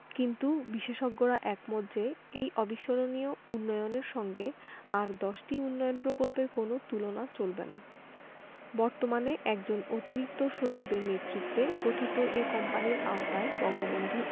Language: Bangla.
কিন্তু বিশেষজ্ঞরা একমত যে এই অবিস্মরণীয় উন্নয়নের সঙ্গে আর দশটি উন্নয়ন প্রকল্পের কোনো তুলনা চলবে না বর্তমানে একজন অতিরিক্ত সচিবের নেতৃত্বে গঠিত যে কোম্পানির আওতায় বঙ্গবন্ধু